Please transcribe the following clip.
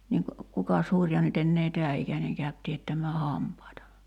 niin kukas hurja nyt enää tämän ikäinen käy teettämään hampaita